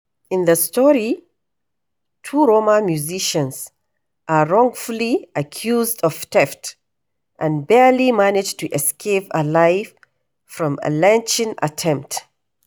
In the story, two Roma musicians are wrongfully accused of theft and barely manage to escape alive from a lynching attempt.